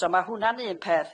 So ma' hwnna'n un peth.